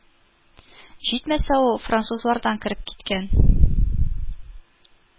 Җитмәсә ул французлардан кереп киткән